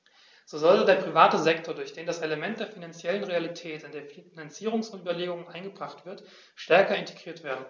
So sollte der private Sektor, durch den das Element der finanziellen Realität in die Finanzierungsüberlegungen eingebracht wird, stärker integriert werden.